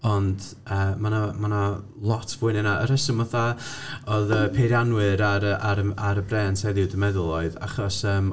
Ond, yy, mae 'na... ma' 'na lot fwy na hwnna. Y rheswm, fatha , oedd y peiriannwyr ar y ar y ar y brains heddiw dw i'n meddwl, oedd achos yym...